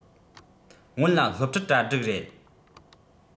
སྔོན ལ སློབ ཁྲིད གྲ སྒྲིག རེད